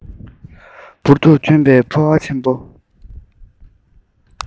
འབུར དུ ཐོན པའི ཕོ བ ཆེན པོ